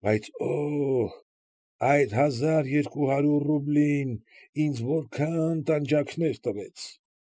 Բայց օհ, այդ հազար երկու հարյուր ռուբլին ինձ որքա՜ն տանջանքներ տվեց։